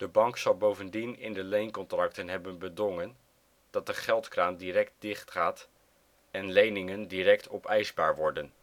bank zal bovendien in de leencontracten hebben bedongen dat de geldkraan direct dicht gaat en leningen direct opeisbaar worden